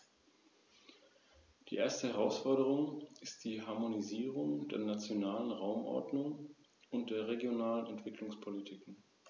Sie wird dabei von einem Expertenausschuß für Gefahrguttransporte nach dem Regelungsverfahren unterstützt.